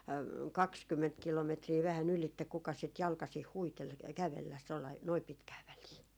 kaksikymmentä kilometriä vähän ylitse kukas sitä jalkaisin huiteli kävellä tuolla lailla noin pitkää väliä